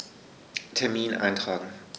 Termin eintragen